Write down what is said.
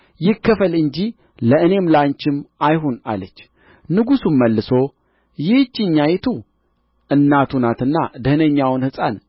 ይከፈል እንጂ ለእኔም ለአንቺም አይሁን አለች ንጉሡም መልሶ ይህችኛይቱ እናቱ ናትና ደኅነኛውን ሕፃን